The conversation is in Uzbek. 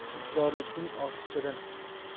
intizorlikning oshi shirin